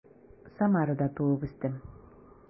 Самарда туып үстем.